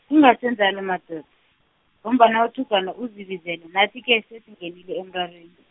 ningatjho njalo madod-, ngombana uThugwana usibizile nathi ke sesingenile emrarweni.